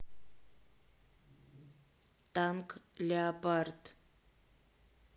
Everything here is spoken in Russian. танк леопард